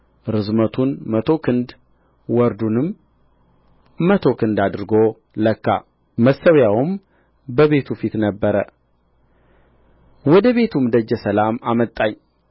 ርዝመቱን መቶ ክንድ ወርዱንም መቶ ክንድ አድርጎ ለካ መሠዊያውም በቤቱ ፊት ነበረ ወደ ቤቱም ደጀ ሰላም አመጣኝ